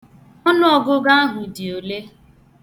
Ọnụọgụgụ ahụ dị olee?